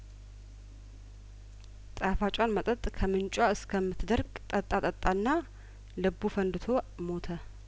ጣፋጯን መጠጥ ከምንጯ እስከምትደርቅ ጠጣ ጠጣና ልቡ ፈንድቶ ሞተ